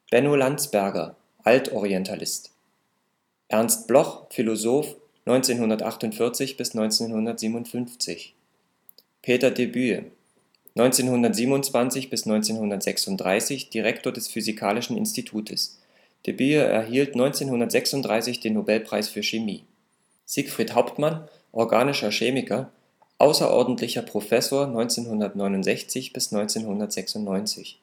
Benno Landsberger, Altorientalist Ernst Bloch, Philosoph, 1948 – 1957 Peter Debye, 1927 – 1936 Direktor des Physikalischen Institutes. Debye erhielt 1936 den Nobelpreis für Chemie. Siegfried Hauptmann, organischer Chemiker, außerordentlichen Professor 1969 – 1996